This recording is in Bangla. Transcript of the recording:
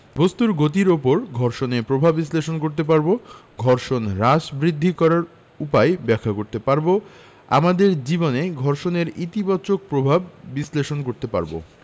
বস্তুর গতির উপর ঘর্ষণের প্রভাব বিশ্লেষণ করতে পারব ঘর্ষণ হ্রাস বৃদ্ধি করার উপায় ব্যাখ্যা করতে পারব আমাদের জীবনে ঘর্ষণের ইতিবাচক প্রভাব বিশ্লেষণ করতে পারব